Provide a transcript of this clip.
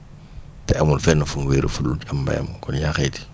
te amul fenn fu mu wéeru fu dul am mbéyam kon yaa xayti